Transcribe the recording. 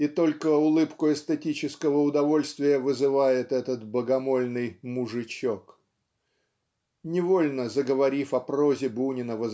и только улыбку эстетического удовольствия вызывает этот богомольный "Мужичок" (невольно заговорив о прозе Бунина